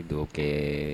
Duwawu kɛɛ